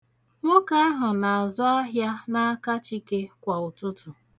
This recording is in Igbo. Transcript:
Nwoke ahụ na-azụ ahịa n'aka Chike kwa ụtụtụ.